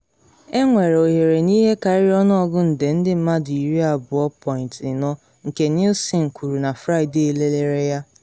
Enwere ohere na ihe karịrị ọnụọgụ nde ndị mmadụ 20.4 nke Nielsen kwuru na Friday lelere ya.